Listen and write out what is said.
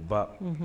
Ba